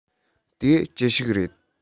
དེ ཅི ཞིག རེད